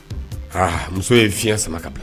Aa muso ye fiɲɛ sama ka bila